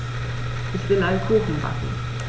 Ich will einen Kuchen backen.